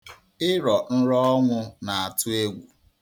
Ịrọ nrọ ọnwụ na-atụ egwu.